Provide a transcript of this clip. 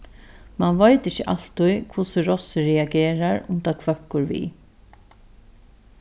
mann veit ikki altíð hvussu rossið reagerar um tað hvøkkur við